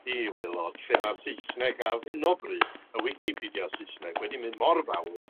i waelod lle ma'r saesneg ar hyn o bryd y wicipedia Saesneg wedi mynd mor fawr